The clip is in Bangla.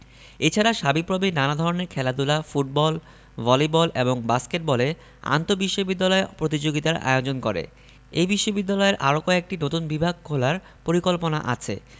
এছাড়া সাবিপ্রবি নানা ধরনের খেলাধুলা ফুটবল ভলিবল এবং বাস্কেটবলে আন্তঃবিশ্ববিদ্যালয় প্রতিযোগিতার আয়োজন করে এই বিশ্ববিদ্যালয়ের আরও কয়েকটি নতুন বিভাগ খোলার পরিকল্পনা আছে